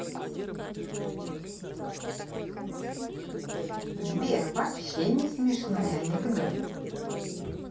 сбер вообще не смешной анекдот